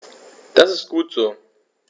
Das ist gut so.